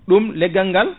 ɗum leggal ngal